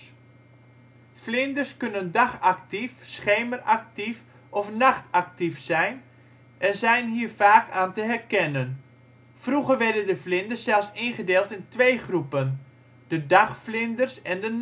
Vlinders kunnen dagactief, schemeractief of nachtactief zijn en zijn hier vaak aan te herkennen. Vroeger werden de vlinders zelfs ingedeeld in twee groepen; de dagvlinders en de